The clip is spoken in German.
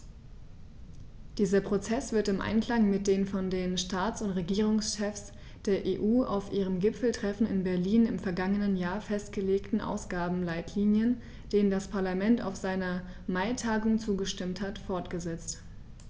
Dieser Prozess wird im Einklang mit den von den Staats- und Regierungschefs der EU auf ihrem Gipfeltreffen in Berlin im vergangenen Jahr festgelegten Ausgabenleitlinien, denen das Parlament auf seiner Maitagung zugestimmt hat, fortgesetzt.